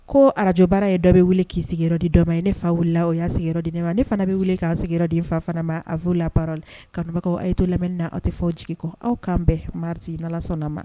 Ko radio baara ye dɔ bɛ wili k'i sigiyɔrɔ di dɔ ma ye, ne fa wulila o y'a sigiyɔrɔ di ne ma, ne fana bɛ wili k'a n sigiyɔrɔ di fa fana ma. à vous la parole kanubagaw aye to lamɛni na aw tɛ fɔn a jigi kɔ. Aw k'an bɛ mardi , n'Ala sɔn n'a ma.